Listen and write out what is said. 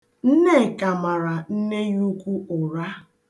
Nneka mara nne ya ukwu ụra.